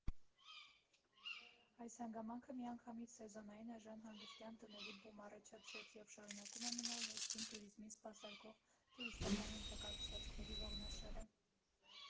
Այս հանգամանքը միանգամից սեզոնային էժան հանգստյան տների բում առաջացրեց և շարունակում է մնալ ներքին տուրիզմին սպասարկող տուրիստական ենթակառուցվածքների ողնաշարը։